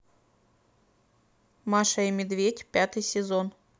маша и медведь пятый сезон